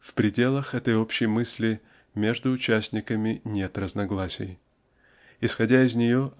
В пределах этой общей мысли между участниками нет разногласий. Исходя из нее